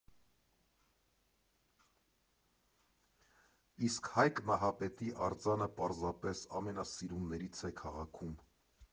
Իսկ Հայկ Նահապետի արձանը պարզապես ամենասիրուններից է քաղաքում։